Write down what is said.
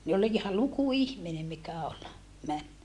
ne oli ihan luku ihminen mikä oli meni